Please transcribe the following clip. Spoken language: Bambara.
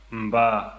nba